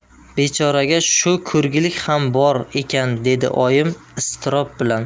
bechoraga shu ko'rgilik ham bor ekan dedi oyim iztirob bilan